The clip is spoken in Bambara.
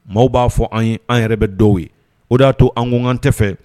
Maaw b'a fɔ an ye, an yɛrɛ bɛ dɔw ye , o de y'a to an ko k'an tɛ fɛ